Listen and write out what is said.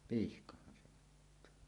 pihkahan se ottaa